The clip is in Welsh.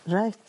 Reit